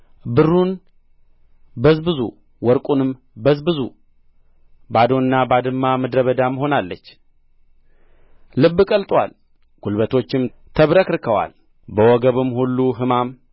ብሩን በዝብዙ ወርቁንም በዝብዙ ባዶና ባድማ ምድረ በዳም ሆናለች ልብ ቀልጦአል ጕልበቶችም ተብረክርከዋል በወገብም ሁሉ ሕማም